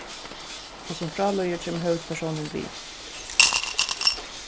og sum frá líður kemur høvuðspersónurin við